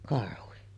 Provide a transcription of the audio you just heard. karhu